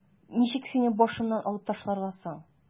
Ничек сине башымнан алып ташларга соң?